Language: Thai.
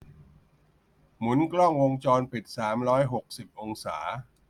หมุนกล้องวงจรปิดสามร้อยหกสิบองศา